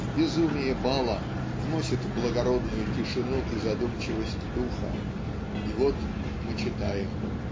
в безумие бала вносит благородную тишину и задумчивость духа -- и вот мы читаем